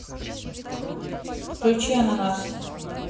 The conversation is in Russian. включи ананас